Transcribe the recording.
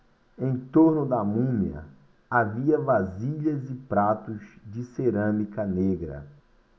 em torno da múmia havia vasilhas e pratos de cerâmica negra